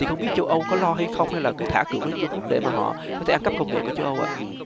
không biết châu âu có lo hay không hay là cứ thả cửa cho trung quốc để mà họ có thể ăn cắp công nghệ của châu âu ạ